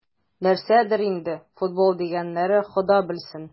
Нәрсәдер инде "футбол" дигәннәре, Хода белсен...